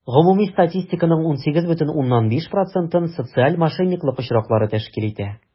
Гомуми статистиканың 18,5 процентын социаль мошенниклык очраклары тәшкил итә.